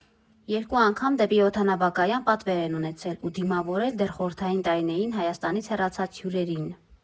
Երկու անգամ դեպի օդանավակայան պատվեր են ունեցել ու դիմավորել դեռ խորհրդային տարիներին Հայաստանից հեռացած հյուրերին։